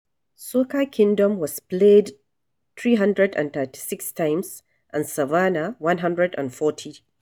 Soca Kingdom was played 336 times, and "Savannah" 140.